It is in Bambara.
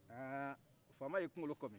aa faama y'i kunkolo kɔmin